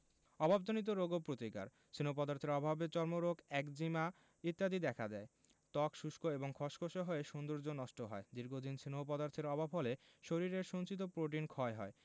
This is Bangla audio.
অভাবজনিত রোগ ও প্রতিকার স্নেহ পদার্থের অভাবে চর্মরোগ একজিমা ইত্যাদি দেখা দেয় ত্বক শুষ্ক এবং খসখসে হয়ে সৌন্দর্য নষ্ট হয় দীর্ঘদিন স্নেহ পদার্থের অভাব হলে শরীরের সঞ্চিত প্রোটিন ক্ষয় হয়